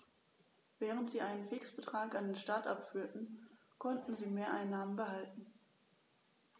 Während sie einen Fixbetrag an den Staat abführten, konnten sie Mehreinnahmen behalten.